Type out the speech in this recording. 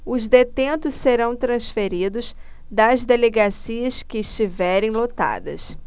os detentos serão transferidos das delegacias que estiverem lotadas